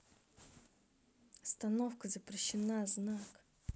остановка запрещена знак